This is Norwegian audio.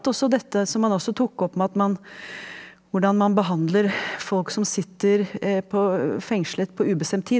også dette som han også tok opp med at man hvordan man behandler folk som sitter på fengslet på ubestemt tid.